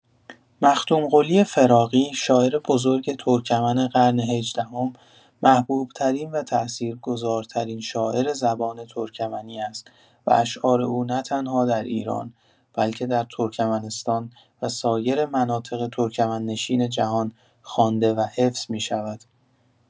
مختومقلی فراغی، شاعر بزرگ ترکمن قرن هجدهم، محبوب‌ترین و تأثیرگذارترین شاعر زبان ترکمنی است و اشعار او نه‌تنها در ایران بلکه در ترکمنستان و سایر مناطق ترکمن‌نشین جهان خوانده و حفظ می‌شود.